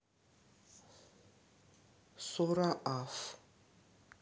сура аф